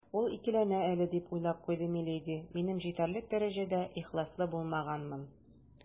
«ул икеләнә әле, - дип уйлап куйды миледи, - минем җитәрлек дәрәҗәдә ихласлы булмаганмын».